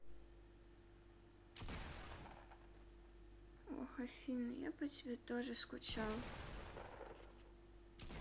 ох афина я по тебе тоже скучал